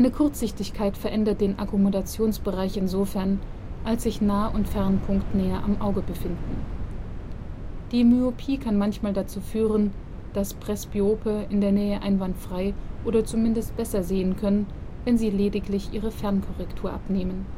Kurzsichtigkeit verändert den Akkommodationsbereich insofern, als sich Nah - und Fernpunkt näher am Auge befinden. Die Myopie kann manchmal dazu führen, dass Presbyope in der Nähe einwandfrei oder zumindest besser sehen können, wenn sie lediglich ihre Fernkorrektur abnehmen